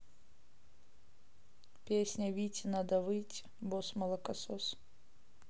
песня вите надо выйти босс молокосос